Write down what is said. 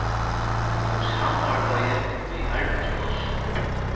um samarbeiði við arbeiðspláss